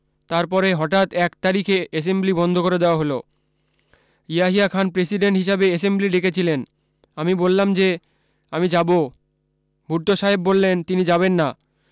তারপরে হঠাৎ ১ তারিখে এসেম্বলি বন্ধ করে দেওয়া হলো ইয়াহিয়া খান প্রেসিডেন্ট হিসাবে এসেম্বলি ডেকেছিলেন আমি বললাম যে আমি যাব ভূট্টো সাহেব বললেন তিনি যাবেন না